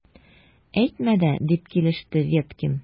Әйтмә дә! - дип килеште Веткин.